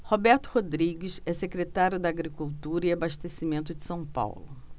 roberto rodrigues é secretário da agricultura e abastecimento de são paulo